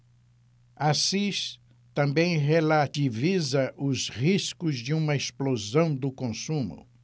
assis também relativiza os riscos de uma explosão do consumo